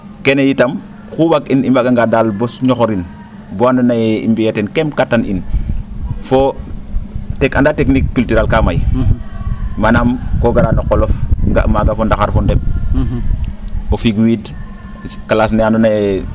kene itam xu waag'ina i mbaaganga daal bo ñoxorin boo andoona yee i mbiyaa teen kep katan in fo ande technique culturale kaa may manaan koo gara no o qolof ga' maaga fo ndaxar fo nde? o figwiid claas ne andoona yee